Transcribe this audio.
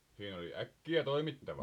siinä oli äkkiä toimittava